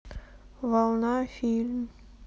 волна фильм